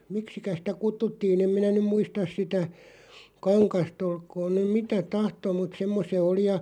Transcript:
miksikä sitä kutsuttiin en minä nyt muista sitä kangasta olkoon nyt mitä tahtoo mutta semmoinen se oli ja